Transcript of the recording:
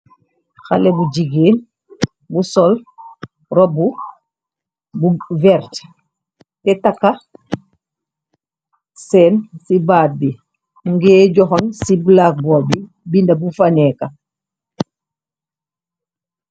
Xalé bu jigéen bu sol robbu bu verte te taka senn ci baat bi mu ngée joxon ci black bort bi binda bu fanéeka.